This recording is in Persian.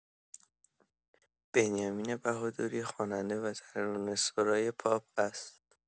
بنیامین بهادری خواننده و ترانه‌سرای پاپ است.